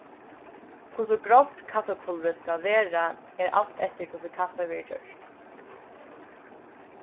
hvussu grovt kaffipulvurið skal vera er alt eftir hvussu kaffið verður gjørt